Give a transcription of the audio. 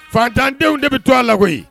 Fatandenw de bɛ to a la koyi